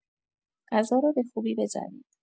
غذا را به خوبی بجوید.